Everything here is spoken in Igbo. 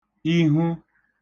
ihwu